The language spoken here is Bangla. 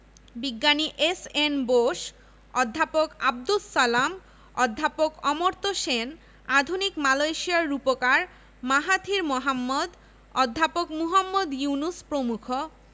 প্রদান করা ছাড়াও ৪০ জন আন্তর্জাতিক খ্যাতিসম্পন্ন ব্যক্তিকে সম্মানসূচক doctorate doctor of laws doctor of science doctor of literature degree প্রদান করা হয়